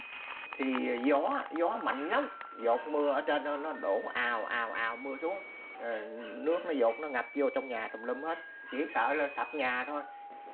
thì gió gió mạnh lắm giọt mưa ở trên đó nó đổ ào ào ào mưa xuống nước nó dột nó ngập vô trong nhà tùm lum hết chỉ sợ là sập nhà thôi